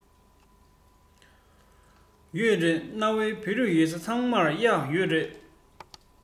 ཡོད རེད གནའ བོའི བོད རིགས ཡོད ས ཚང མར གཡག ཡོད རེད